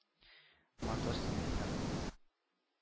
– матур син, мифтах, – диде